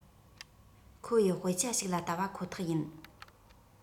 ཁོ ཡི དཔེ ཆ ཞིག ལ བལྟ བ ཁོ ཐག ཡིན